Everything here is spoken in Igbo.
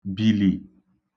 bìli